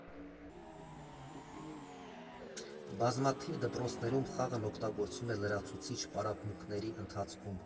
Բազմաթիվ դրոցներում խաղն օգտագործվում է լրացուցիչ պարապմունքների ընթացքում։